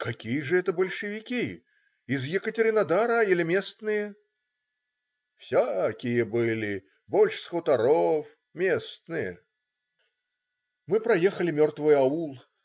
" "Какие же это большевики, из Екатеринодара иль местные?" - "Всякие были, больше с хуторов - местные. " Мы проехали мертвый аул.